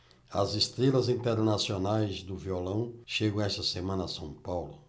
as estrelas internacionais do violão chegam esta semana a são paulo